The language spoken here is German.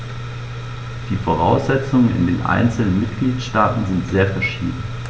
Die Voraussetzungen in den einzelnen Mitgliedstaaten sind sehr verschieden.